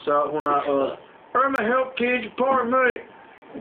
So hwnna odd Urma help kids wi' porn money.